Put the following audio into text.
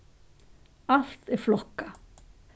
alt er flokkað